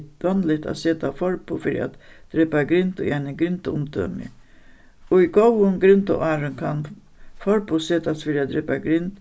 vanligt at seta forboð fyri at drepa grind í eini grindaumdømi í góðum grindaárum kann forboð setast fyri at drepa grind